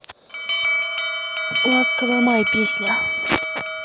ласковый май песня